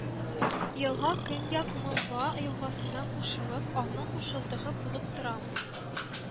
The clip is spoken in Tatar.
Елга Көньяк Мылва елгасына кушылып, аның кушылдыгы булып тора